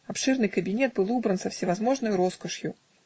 Обширный кабинет был убран со всевозможною роскошью